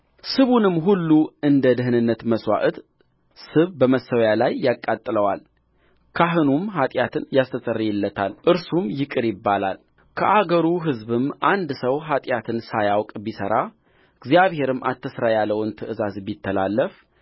ስቡንም ሁሉ እንደ ደኅንነት መሥዋዕት ስብ በመሠዊያው ላይ ያቃጥለዋል ካህኑም ኃጢአቱን ያስተሰርይለታል እርሱም ይቅር ይባላልከአገሩ ሕዝብም አንድ ሰው ኃጢአትን ሳያውቅ ቢሠራ እግዚአብሔርም አትሥራ ያለውን ትእዛዝ ቢተላለፍ